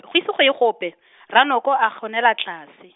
go ise go ye gope , Rranoko a gonela tlase.